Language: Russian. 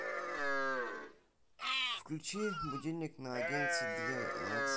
включи будильник на одиннадцать двадцать